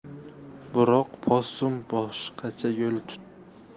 biroq possum boshqacha yo'l tutdi